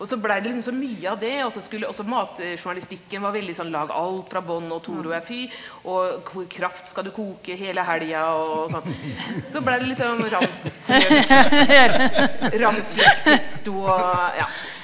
og så blei det liksom så mye av det, og så skulle også matjournalistikken var veldig sånn lag alt fra bånn og Toro er fy og kraft skal du koke hele helga og sånt, så blei det litt sånn ramsløkpesto og ja.